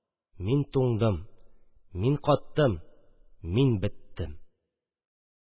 Мин туңдым, мин каттым, мин беттем